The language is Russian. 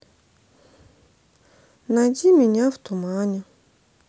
найди меня в тумане